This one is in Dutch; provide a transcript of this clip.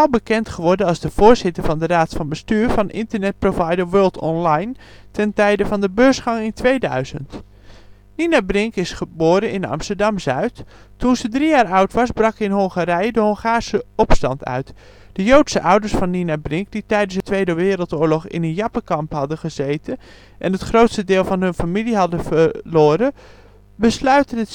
bekend geworden als de voorzitter van de Raad van Bestuur van internetprovider World Online ten tijde van de beursgang in 2000. Nina Brink is geboren in Amsterdam-Zuid. Toen ze drie jaar oud was brak in Hongarije de Hongaarse opstand uit. De (joodse) ouders van Nina Brink, die tijdens de Tweede Wereldoorlog in een Jappen-kamp hadden gezeten en het grootste deel van hun familie hadden verloren, besluiten